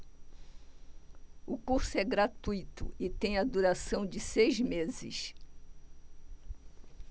o curso é gratuito e tem a duração de seis meses